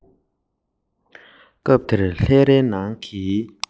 སྔ དགོང འཇིག རྟེན དཀར ནག མཚམས སུ